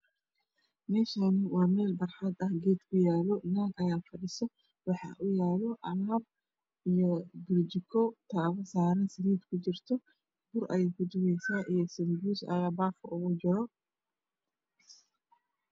Meeshaan waa meel barxad ah geed ku yaalo naag ayaa fadhiso waxaa u taalo burjigo birtaawo saliid ku jirto bur ayey ku dubeeysaa iyo sanbuus ayaa baaf ugu jiro